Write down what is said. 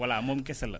voilà moom kese la